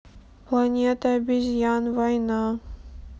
планета обезьян война